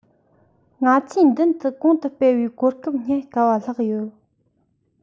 ང ཚོའི མདུན དུ གོང དུ སྤེལ བའི གོ སྐབས རྙེད དཀའ བ ལྷགས ཡོད